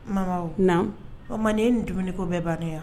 Bamanan ni dumuniiniko bɛ ban yan